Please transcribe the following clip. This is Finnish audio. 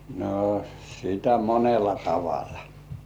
no sitä monella tavalla